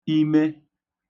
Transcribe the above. ime